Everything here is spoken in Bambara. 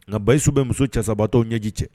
Nka bayisiw bɛ muso cɛsabaatɔw ɲɛji cɛ